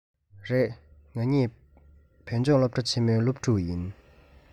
རེད ང གཉིས བོད ལྗོངས སློབ གྲ ཆེན མོའི སློབ ཕྲུག ཡིན